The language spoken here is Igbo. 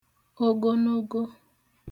ogonogo